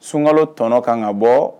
Sunkalo tɔɔnɔ ka ka bɔ